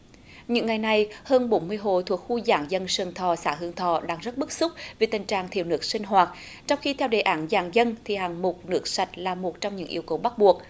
những ngày này hơn bốn mươi hộ thuộc khu giãn dân sơn thọ xã hương thọ đang rất bức xúc vì tình trạng thiếu nước sinh hoạt trong khi theo đề án giãn dân thì hạng mục nước sạch là một trong những yêu cầu bắt buộc